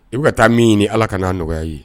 I bɛ ka taa min ɲini Ala ka n'a nɔgɔya ye